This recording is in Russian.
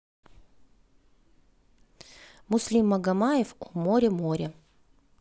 муслим магомаев о море море